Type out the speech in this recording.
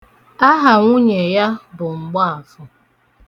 Aha nwunye ya bụ Mgbaafọ.